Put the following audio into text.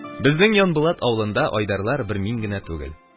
Безнең Янбулат авылында Айдарлар бер мин генә түгел